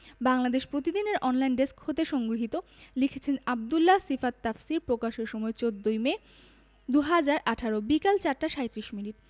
বাংলাদেশ প্রতিদিন এর online desk হতে সংগৃহীত লিখেছেনঃ আব্দুল্লাহ সিফাত তাফসীর প্রকাশের সময় ১৪ই মে ২০১৮ বিকেল ৪ টা ৩৭ মিনিট